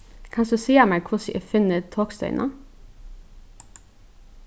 kanst tú siga mær hvussu eg finni tokstøðina